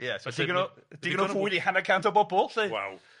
Ie ... Digon o digon o fwyd i hanner cant o bobl 'lly. Waw.